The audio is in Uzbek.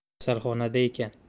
kasalxonada ekan